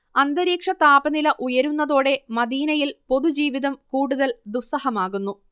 അന്തരീക്ഷതാപനില ഉയരുന്നതോടെ മദീനയിൽ പൊതുജീവിതം കുടുതൽ ദുസ്സഹമാകുന്നു